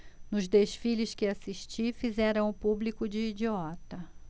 nos desfiles que assisti fizeram o público de idiota